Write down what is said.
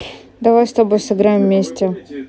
давай с тобой сыграем вместе